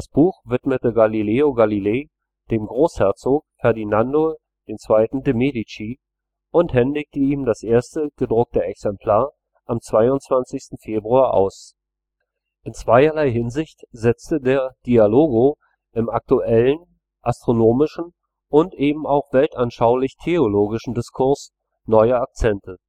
Buch widmete Galileo Galilei dem Großherzog Ferdinando II. de’ Medici und händigte ihm das erste gedruckte Exemplar am 22. Februar aus. In zweierlei Hinsicht setzte der Dialogo im aktuellen, astronomischen und eben auch weltanschaulich-theologischen Diskurs neue Akzente